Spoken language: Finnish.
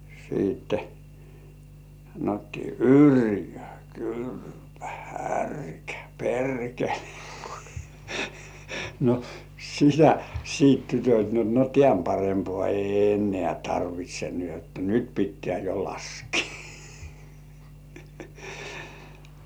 sitten sanottiin yrjö kyrpä härkä perkele no sitä sitten tytöt no no tämän parempaa ei enää tarvitse niin jotta nyt pitää jo laskea